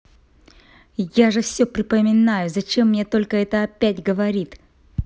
я же все припоминаю зачем мне только это опять говорит